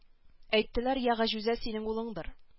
Әйттеләр йә гаҗүзә синең углыңдыр